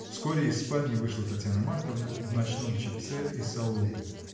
Вскоре из спальни вышла Татьяна Марковна, в ночном чепце и салопе.